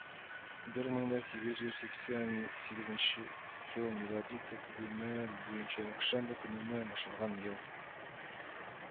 Бер мең дә сигез йөз сиксән сигезенче ел милади тәкъвиме буенча якшәмбе көненнән башланган ел